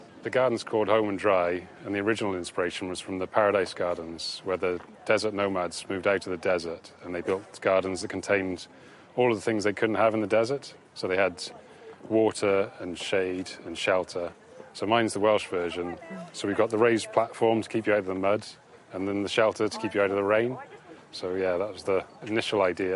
The gardens called Home and Dry, and the original inspiration was from the Paradise Gardens where the desert nomads moved out to the desert and they built gardens that contained all of the things they couldn't have in the desert, so they had water and shade and shelter, so mine's the Welsh version so we've got the raised platform to keep you out of the mud and then the shelter to keep you out of the rain, so yeah that was the initial idea.